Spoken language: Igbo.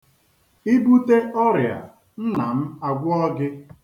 I bute ọrịa, nna m agwọọ gị.